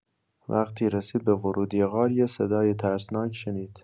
وقتی رسید به ورودی غار، یه صدای ترسناک شنید.